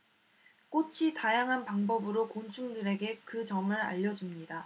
꽃이 다양한 방법으로 곤충들에게 그 점을 알려 줍니다